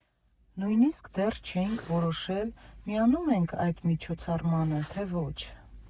Նույնիսկ դեռ չէինք որոշել՝ միանո՞ւմ ենք այդ միջոցառմանը, թե ոչ։